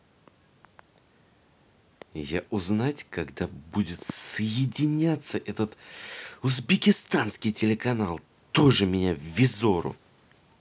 я узнать когда будет соединиться это узбекистанский телеканал тоже меня визору